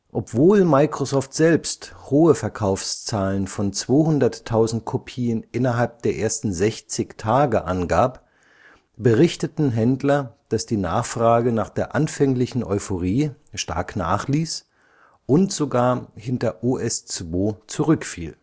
Obwohl Microsoft selbst hohe Verkaufszahlen von 200.000 Kopien innerhalb der ersten 60 Tage angab, berichteten Händler, dass die Nachfrage nach der anfänglichen Euphorie stark nachließ und sogar hinter OS/2 zurückfiel